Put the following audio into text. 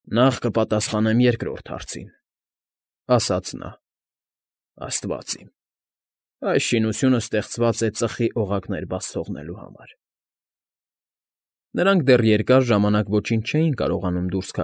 Նախ կպատասխանեմ երկրորդ հարցին,֊ ասաց նա։֊ Աստված իմ… Այս շինությունը ստեղծված է ծխի օղակներ բաց թողնելու համար… Նրանք դեռ երկար ժամանակ ոչինչ չէին կարողանում դուրս։